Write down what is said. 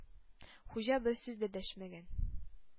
Хуҗа бер сүз дә дәшмәгән.